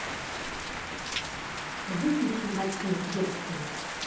выключи ночник в детской